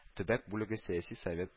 Төбәк бүлеге сәяси совет